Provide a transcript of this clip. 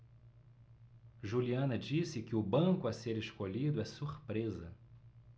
juliana disse que o banco a ser escolhido é surpresa